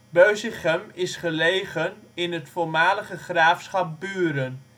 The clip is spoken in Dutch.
Beusichem is gelegen in het voormalige graafschap Buren